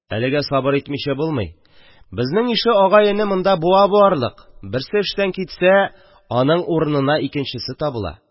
Әлегә сабыр итмичә булмый: безнең ише агай-эне монда буа буарлык, берсе эштән китсә, аның урынына икенчесе табыла.